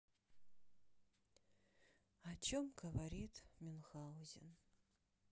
о чем говорит мюнхгаузен